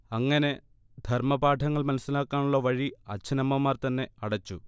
അങ്ങനെ ധർമപാഠങ്ങൾ മനസ്സിലാക്കാനുള്ള വഴി അച്ഛനമ്മമാർതന്നെ അടച്ചു